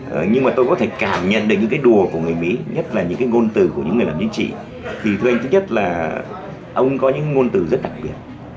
nhưng mà tôi có thể cảm nhận được những cái đùa của người mỹ nhất là những ngôn từ của những người làm chính trị vì thưa thứ nhất là ông có những ngôn từ rất đặc biệt